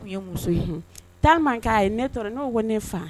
Tun ye muso ye, temps ma kɛ a ye, ne tora ne ko ko ne fa